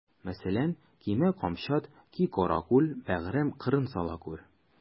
Мәсәлән: Кимә камчат, ки каракүл, бәгърем, кырын сала күр.